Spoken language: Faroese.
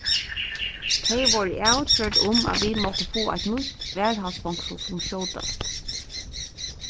tey vóru avgjørd um at vit máttu fáa eitt nýtt varðhaldsfongsul sum skjótast